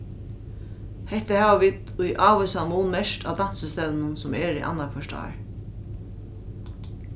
hetta hava vit eisini í ávísan mun merkt á dansistevnunum sum eru annaðhvørt ár